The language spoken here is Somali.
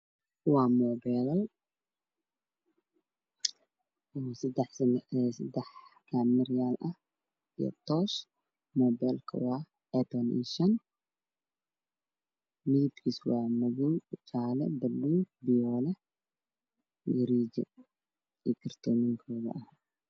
Moobeelal saddex kamirayaal ah iyo toosh moobeelka waa ee tuban iyo shan midab kiisu waa madow iyo jaale baluug biyoole iyo kartoomahoda